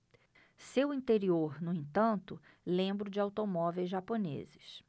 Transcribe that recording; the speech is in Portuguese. seu interior no entanto lembra o de automóveis japoneses